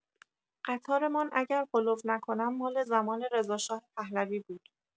قطارمان اگر غلو نکنم مال زمان رضا شاه پهلوی بود.